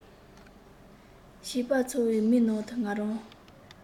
བྱིས པ ཚོའི མིག ནང དུ ང རང